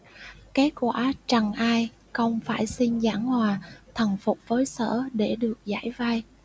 kết quả trần ai công phải xin giảng hòa thần phục với sở để được giải vây